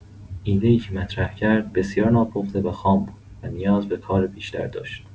ایده‌ای که مطرح کرد، بسیار ناپخته و خام بود و نیاز به کار بیشتر داشت.